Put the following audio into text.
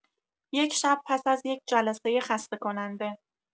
یک شب پس از یک جلسه خسته‌کننده